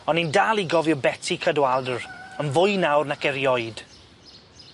On' ni'n dal i gofio Betsi Cadwaladr, yn fwy nawr nac erioed.